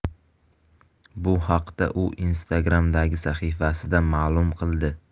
bu haqda u instagram'dagi sahifasida ma'lum qildi